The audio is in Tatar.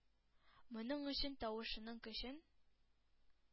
Моның өчен тавышының көчен,